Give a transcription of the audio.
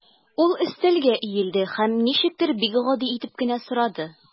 Ул өстәлгә иелде һәм ничектер бик гади итеп кенә сорады.